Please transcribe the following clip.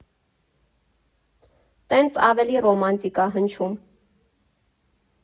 Տենց ավելի ռոմանտիկ ա հնչում։